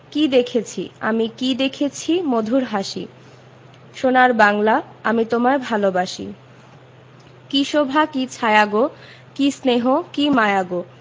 কী দেখসি আমি কী দেখেছি মধুর হাসি সোনার বাংলা আমি তোমায় ভালোবাসি কী শোভা কী ছায়া গো কী স্নেহ কী মায়া গো